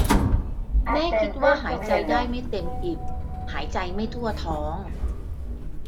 แม่คิดว่าหายใจได้ไม่เต็มอิ่มหายใจไม่ทั่วท้อง